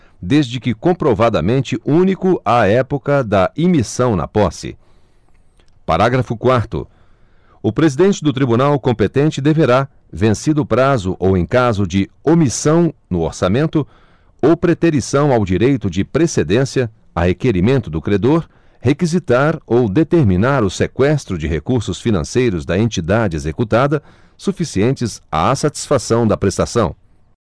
desde que comprovadamente único à época da imissão na posse parágrafo quarto o presidente do tribunal competente deverá vencido o prazo ou em caso de omissão no orçamento ou preterição ao direito de precedência a requerimento do credor requisitar ou determinar o seqüestro de recursos financeiros da entidade executada suficientes à satisfação da prestação